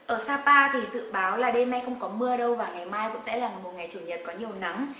ở sa pa thì dự báo là đêm nay không có mưa đâu và ngày mai cũng sẽ là một ngày chủ nhật có nhiều nắng